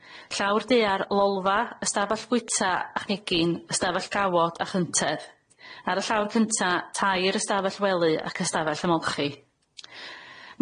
Llawr daear, lolfa ystafall fwyta a chegin, ystafell gawod a chyntedd. Ar y llawr cynta', tair ystafell wely ac ystafell ymolchi.